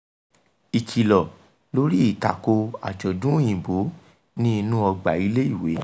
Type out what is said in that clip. Ìkìlọ̀ lórí ìtako àjọ̀dún Òyìnbó ní inú ọgbà ilé-ìwé.